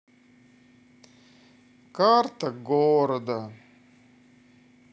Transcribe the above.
карта города